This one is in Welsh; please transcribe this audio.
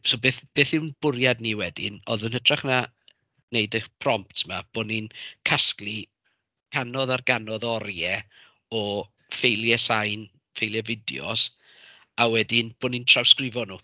So beth beth yw'n bwriad ni wedyn, oedd yn hytrach na wneud y prompts 'ma, bod ni'n casglu canoedd ar ganoedd o oriau o ffeiliau sain, ffeiliau fideos, a wedyn bod ni'n trawsgrifo nhw.